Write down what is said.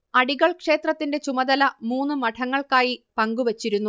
അടികൾ ക്ഷേത്രത്തിൻറെ ചുമതല മൂന്ന് മഠങ്ങൾക്കായി പങ്കുവച്ചിരുന്നു